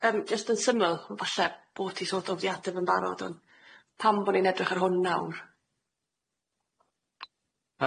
Yym jyst yn symyl falle bo ti sort of di ateb yn barod ond pam bo ni'n edrych ar hwn nawr?